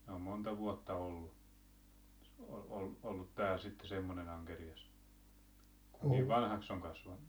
ne on monta vuotta ollut - ollut täällä sitten semmoinen ankerias kun niin vanhaksi on kasvanut